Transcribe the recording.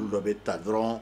Olu dɔ bɛ taa dɔrɔnma